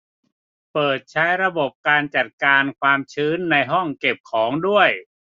เปิดใช้ระบบการจัดการความชื้นในห้องเก็บของด้วย